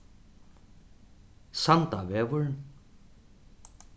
sandavegur